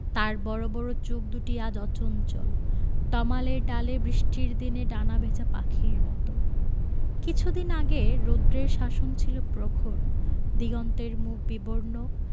তার বড় বড় দুটি চোখ আজ অচঞ্চল তমালের ডালে বৃষ্টির দিনে ডানা ভেজা পাখির মত কিছুদিন আগে রৌদ্রের শাসন ছিল প্রখর দিগন্তের মুখ বিবর্ণ